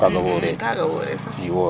Kaaga wooree sax.